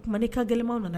Kuma ka gɛlɛnman nana